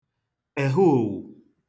ẹ̀hụòwù